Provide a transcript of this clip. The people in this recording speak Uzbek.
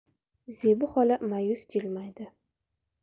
zebi xola mayus jilmaydi